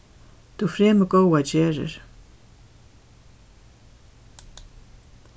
tú fremur góðar gerðir